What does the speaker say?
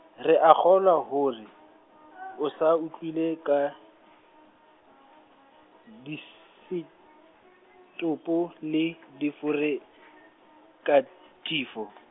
re a kgolwa hore, o sa utlwile ka, dis- -setopo le, diforekathifo.